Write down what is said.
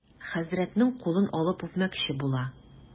Хәзрәтнең кулын алып үпмәкче була.